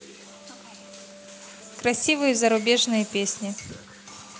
красивые зарубежные песни